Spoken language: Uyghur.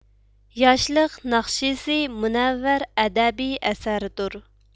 ياشلىق ناخشىسى مۇنەۋۋەر ئەدەبىي ئەسەردۇر